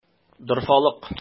Дорфалык!